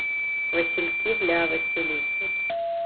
васильки для василисы